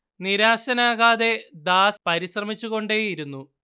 നിരാശനാകാതെ Das പരിശ്രമിച്ചുകൊണ്ടേയിരുന്നു